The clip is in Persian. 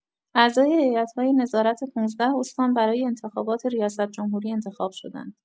اعضای هیات‌های نظارت ۱۵ استان برای انتخابات ریاست‌جمهوری انتخاب شدند.